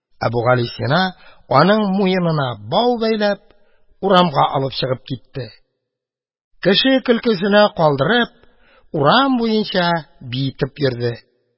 Әбүгалисина, аның муенына бау бәйләп, урамга алып чыгып китте, кеше көлкесенә калдырып, урам буенча биетеп йөрде